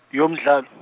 yomdlalo.